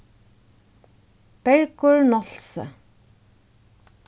bergur nolsøe